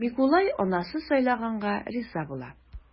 Микулай анасы сайлаганга риза була.